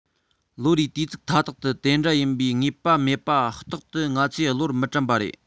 ལོ རེའི དུས ཚིགས མཐའ དག ཏུ དེ འདྲ ཡིན པའི ངེས པ མེད པ རྟག ཏུ ང ཚོས བློར མི དྲན པ རེད